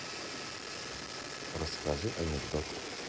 расскажи анекдот